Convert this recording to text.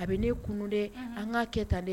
A bɛ ne kun de an ka kɛtalen